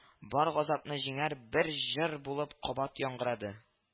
Бар газапны җиңәр бер җыр булып кабат яңгырады